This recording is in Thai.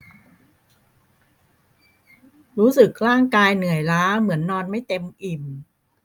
รู้สึกร่างกายเหนื่อยล้าเหมือนนอนไม่เต็มอิ่ม